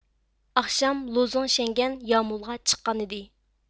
ئاخشام لوزۇڭ شەڭگەن يامۇلغا چىققانىدى